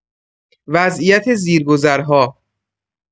وضعیت زیرگذرها